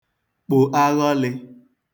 kpò aghọlị̄